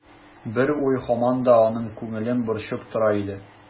Бер уй һаман да аның күңелен борчып тора иде.